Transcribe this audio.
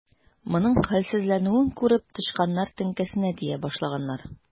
Моның хәлсезләнүен күреп, тычканнар теңкәсенә тия башлаганнар.